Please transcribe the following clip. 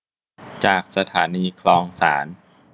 จากสถานีคลองสาน